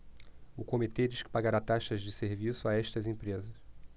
o comitê diz que pagará taxas de serviço a estas empresas